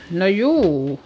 no juu